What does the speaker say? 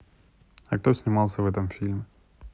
а кто снимался в этом фильме